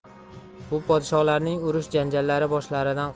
bu podsholarning urush janjallari